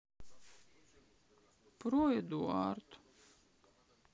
про эдуард